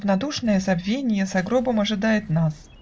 равнодушное забвенье За гробом ожидает нас.